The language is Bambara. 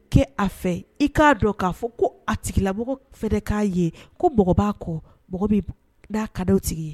Kɛ a fɛ i k'a dɔn k'a fɔ ko a tigilamɔgɔ fana k'a ye ko mɔgɔ b'a kɔ mɔgɔ min n'a ka d'o tigi ye